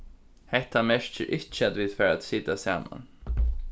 hetta merkir ikki at vit fara at sita saman